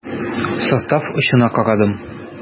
Состав очына карадым.